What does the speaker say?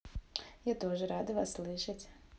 я тоже вас рада слышать